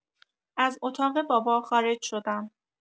از اتاق بابا خارج شدم.